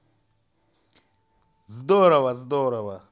здорово здорово